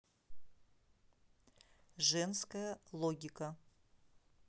женская логика